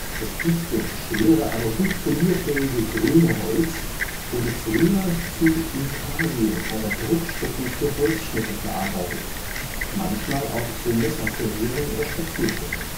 Das dichte, schwere, aber gut polierfähige grüne Holz wurde früher zu Intarsien oder Druckstöcken für Holzschnitte verarbeitet, manchmal auch zu Messer­furnieren oder Spazierstöcken